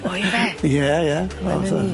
O yfe? Ie ie.